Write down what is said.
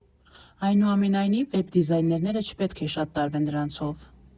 Այնուամենայնիվ, վեբ դիզայներները չպետք է շատ տարվեն դրանցով։